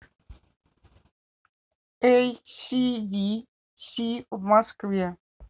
эй си ди си в москве